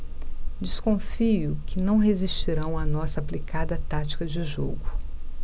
desconfio que não resistirão à nossa aplicada tática de jogo